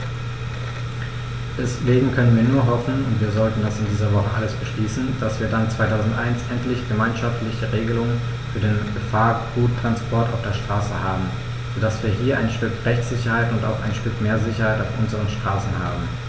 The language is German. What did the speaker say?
Deswegen können wir nur hoffen - und wir sollten das in dieser Woche alles beschließen -, dass wir dann 2001 endlich gemeinschaftliche Regelungen für den Gefahrguttransport auf der Straße haben, so dass wir hier ein Stück Rechtssicherheit und auch ein Stück mehr Sicherheit auf unseren Straßen haben.